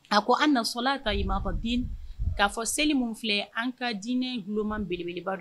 A ko an na sɔlaata imaadu dine k'a fɔ seli min filɛ, an ka diinɛ tuloma belebele don.